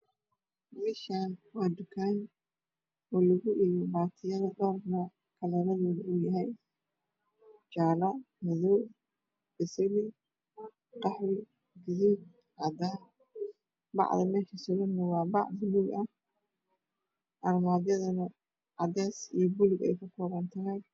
Meeshaan waa tukaan lagu iibiyo baatiyaal dhoor nooc kalaradana uu yahay madow jaalo basali qaxwi buluug cadaan bacda meesha surana waa bac buluug ah armaajada cadays iyo buluug ayey ka koobantahay